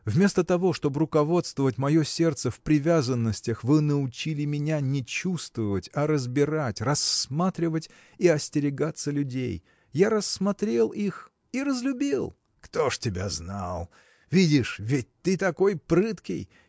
Вместо того чтоб руководствовать мое сердце в привязанностях вы научили меня не чувствовать а разбирать рассматривать и остерегаться людей я рассмотрел их – и разлюбил! – Кто ж тебя знал! Видишь, ведь ты какой прыткий